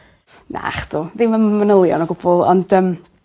Nachdw ddim yym manylion o gwbwl ond yym